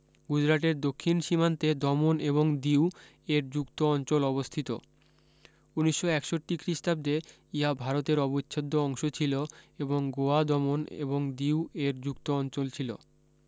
গুজরাটের দক্ষিণ সীমান্তে দমন এবং দিউ এর যুক্ত অঞ্চল অবস্থিত উনিশশ একষট্টি খ্রীষ্টাব্দে ইহা ভারতের অবিচ্ছেদ্য অংশ ছিল এবং গোয়া দমন এবং দিউ এর যুক্ত অঞ্চল ছিল